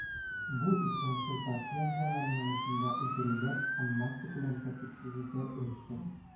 Бу исламчыл партия әгъзалары намусында үтерүләр һәм массакүләм тәртипсезлекләр оештыру.